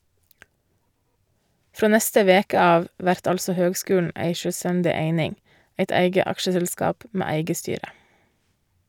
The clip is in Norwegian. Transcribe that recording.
Frå neste veke av vert altså høgskulen ei sjølvstendig eining, eit eige aksjeselskap med eige styre.